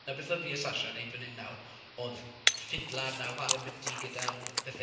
'Na beth oedd fi a Sasha yn wneud fan hyn nawr, oedd ffidlan a whare am byti.